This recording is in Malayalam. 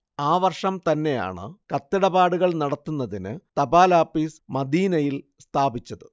ആ വർഷം തന്നെയാണ് കത്തിടപാടുകൾ നടത്തുന്നതിനു തപാലാപ്പീസ് മദീനയിൽ സ്ഥാപിച്ചത്